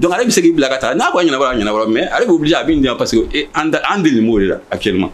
dɔgɔ bɛ sigi'i bila ka taa n'a ka ɲɛna ɲɛnakɔrɔ mɛ ali bbu bila a bɛ di parce que an delimo la a kelen